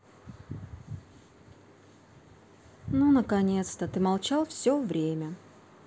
ну наконец то ты молчал все время